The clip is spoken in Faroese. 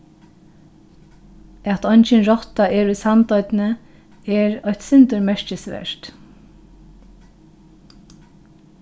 at eingin rotta er í sandoynni er eitt sindur merkisvert